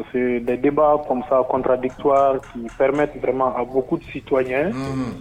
Parce dedenba comisa kɔnɔntadipmetiɛma a ko kusi tun ɲɛ